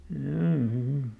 jaa mm